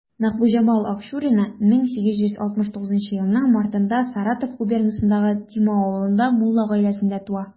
Мәхбүбҗамал Акчурина 1869 елның мартында Саратов губернасындагы Димау авылында мулла гаиләсендә туа.